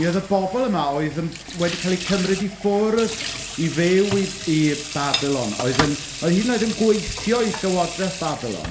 Mi oedd y bobl yma oedd yn... wedi cael eu cymryd i ffwrdd i fyw i i Babilon, oedd yn oed hyd yn oed yn gweithio i llywodraeth Babilon.